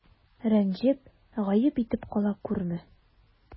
Рәнҗеп, гаеп итеп кала күрмә.